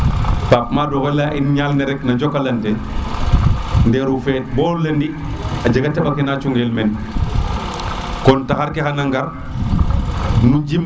Pape Made o xey leya in ñal ne rek no Jokalante ndero feet bo lundi a jega teɓa ka na cu gel meen kon taxar ke xana ngar